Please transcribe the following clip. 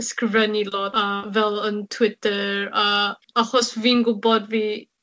ysgrifennu lot a fel yn Twitter, a achos fi'n gwbod fi